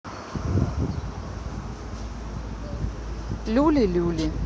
люли люли